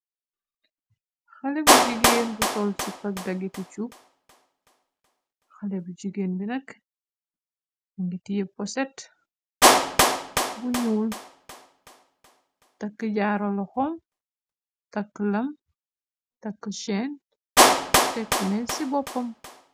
Xalé bu jigéen bu sol ci pag dagite chup xalé bu jigeen bi nakk ngi tiye po set bu ñyuul takk jaaraloxom takk lam takk cheen tek me ci boppam.